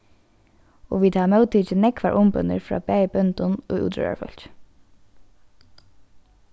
og vit hava móttikið nógvar umbønir frá bæði bóndum og útróðrarfólki